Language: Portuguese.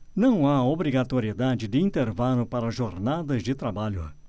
não há obrigatoriedade de intervalo para jornadas de trabalho